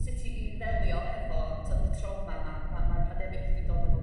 sut i i ddelio hefo t'od y trauma 'ma ma' ma'r pandemic 'di dod efo